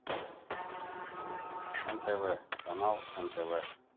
нтв канал нтв